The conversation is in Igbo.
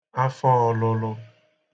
afọ ōlụlụ